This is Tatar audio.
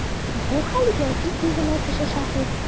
Бу хәлгә ике генә кеше шаһит.